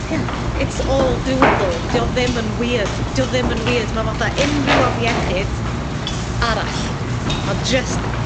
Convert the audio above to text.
ie it's all doable 'di o ddim yn wierd. 'Di o ddim yn wierd. Ma' fatha unryw afiechyd Arall. Hmm. Ma' jyst